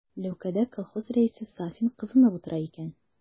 Ләүкәдә колхоз рәисе Сафин кызынып утыра икән.